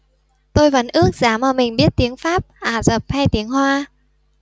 tôi vẫn ước giá mà mình biết tiếng pháp ả rập hay tiếng hoa